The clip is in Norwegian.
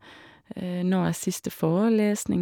Når er siste forelesning?